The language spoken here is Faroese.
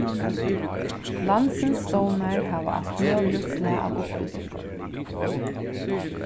landsins stovnar hava alt møguligt slag av upplýsingum